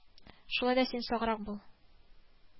Шулай да син саграк бул